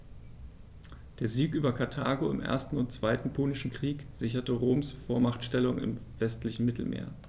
Der Sieg über Karthago im 1. und 2. Punischen Krieg sicherte Roms Vormachtstellung im westlichen Mittelmeer.